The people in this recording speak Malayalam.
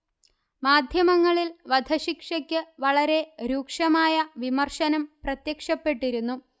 മാദ്ധ്യമങ്ങളിൽ വധശിക്ഷയ്ക്ക് വളരെ രൂക്ഷമായ വിമർശനം പ്രത്യക്ഷപ്പെട്ടിരുന്നു